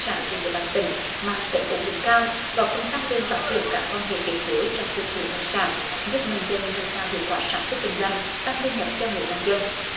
sản trên địa bàn tỉnh mang tính ổn đỉnh cao góp phần tăng cường phát triển các quan hệ kết nối trong tiêu thụ nông sản giúp nông dân nâng cao hiệu quả sản xuất kinh doanh tăng thu nhập cho người nông dân